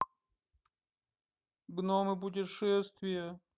гномы путешествия